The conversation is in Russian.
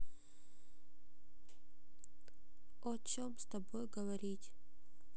о чем с тобой говорить